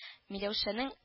Миләүшәнең